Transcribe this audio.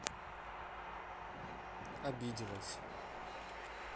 обиделась